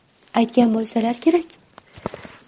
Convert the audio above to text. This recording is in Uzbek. aytgan bo'lsalar kerak